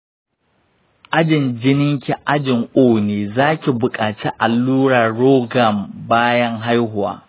ajin jininki ajin o ne, zaki buƙaci allurar rhogam bayan haihuwa.